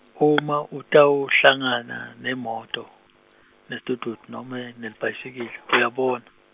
uma utawuhlangana nemoto, nesidududu, noma, nelibhayisikili, uyakubona.